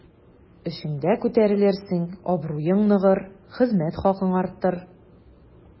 Эшеңдә күтәрелерсең, абруең ныгыр, хезмәт хакың артыр.